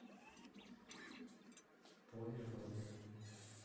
полироли